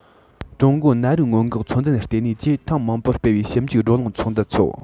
ཀྲུང གོའི ནད རིགས སྔོན འགོག ཚོད འཛིན ལྟེ གནས ཀྱིས ཐེངས མང པོར སྤེལ བའི ཞིབ འཇུག བགྲོ གླེང ཚོགས འདུ ཐོག